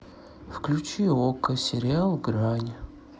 включи окко сериал грань